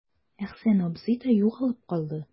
Әхсән абзый да югалып калды.